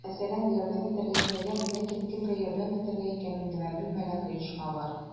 Мәсәлән, ярдәм итәргә теләгән, ләкин кемгә ярдәм итергә икәнен генә белмәгән оешма бар.